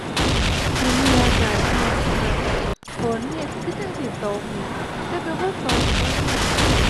มื้อนี้อากาศร้อนคัก ฝนเฮ็ดคือจั่งสิตกนี่แต่ร้อนบ่ตกร้อนมื้อ